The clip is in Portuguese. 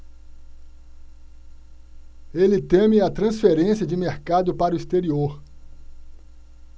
ele teme a transferência de mercado para o exterior